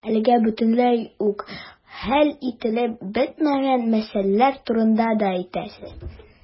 Әлегә бөтенләй үк хәл ителеп бетмәгән мәсьәләләр турында да әйтәсез.